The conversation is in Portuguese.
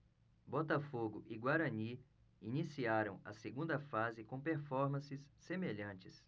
botafogo e guarani iniciaram a segunda fase com performances semelhantes